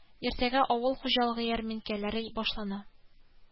Иртәгә авыл хуҗалыгы ярминкәләре башлана